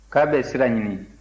k'a bɛ sira ɲini